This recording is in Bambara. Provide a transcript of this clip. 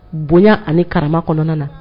Bonya ani kara kɔnɔna na